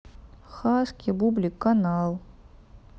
хаски бублик канал